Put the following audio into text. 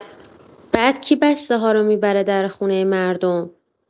بعد کی بسته‌ها رو می‌بره در خونه مردم؟